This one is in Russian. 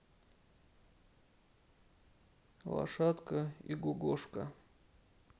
лошадка игогошка